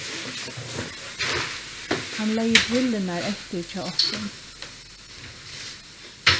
hann legði brillurnar eftir hjá okkum